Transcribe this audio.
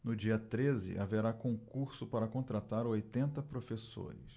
no dia treze haverá concurso para contratar oitenta professores